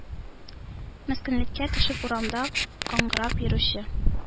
Мескенлеккә төшеп, урамда каңгырап йөрүче